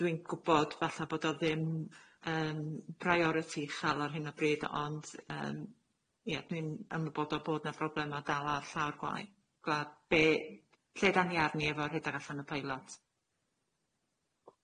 dwi'n gwbod falla bod o ddim yym brioriti uchel ar hyn o bryd ond yym ie dwi'n ymwybodol bod na broblema dal ar llawr gwa- gwa- be- lle dan ni arni efo'r rhedag allan y preilot?